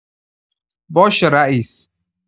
باشه رئیس.